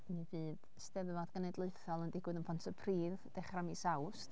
Yym, mi fydd Steddfod Genedlaethol yn digwydd ym Mhontypridd dechrau mis Awst.